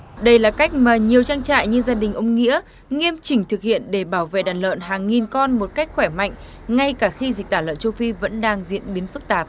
đây là cách mà nhiều trang trại như gia đình ông nghĩa nghiêm chỉnh thực hiện để bảo vệ đàn lợn hàng nghìn con một cách khỏe mạnh ngay cả khi dịch tả lợn châu phi vẫn đang diễn biến phức tạp